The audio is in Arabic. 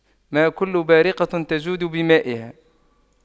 ما كل بارقة تجود بمائها